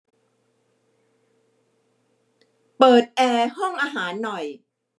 เปิดแอร์ห้องอาหารหน่อย